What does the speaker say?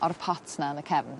o'r pot 'na yn y cefn